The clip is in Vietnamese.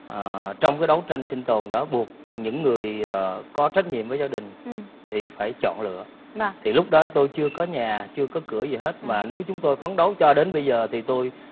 ờ trong cái đấu tranh sinh tồn đó buộc những người ờ có trách nhiệm với gia đình thì phải chọn lựa thì lúc đó tôi chưa có nhà chưa có cửa gì hết mà nếu chúng tôi phấn đấu cho đến bây giờ thì tôi